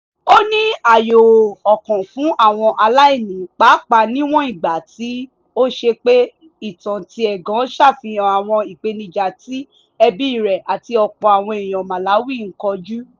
Ó ní ààyò ọkàn fún àwọn aláìní pàápàá níwọ̀n ìgbà tí ó ṣe pé ìtàn tiẹ̀ gan ṣàfihàn àwọn ìpènijà tí ẹbí rẹ̀ àti ọ̀pọ̀ àwọn èèyàn Malawi ń kojú.